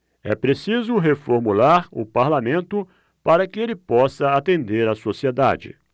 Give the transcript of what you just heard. é preciso reformular o parlamento para que ele possa atender a sociedade